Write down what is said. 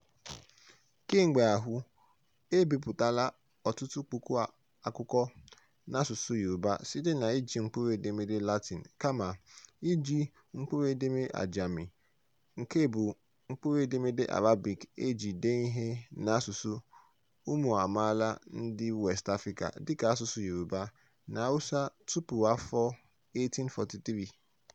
Kemgbe ahụ, e bipụtala ọtụtụ puku akwụkwọ n'asụsụ Yorùbá site na iji mkpụrụedemede Latin kama iji mkpụrụedemede Ajami, nke bụ mkpụrụ edemede Arabic e ji dee ihe n'asụsụ ụmụ amaala ndị West Africa dịka asụsụ Yoruba na Hausa tupu afọ 1843.